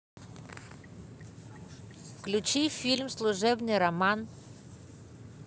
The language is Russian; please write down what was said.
включи фильм служебный роман